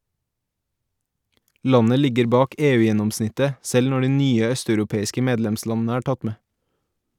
Landet ligger bak EU-gjennomsnittet, selv når de nye østeuropeiske medlemslandene er tatt med.